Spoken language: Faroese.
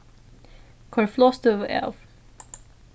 koyr flogstøðu av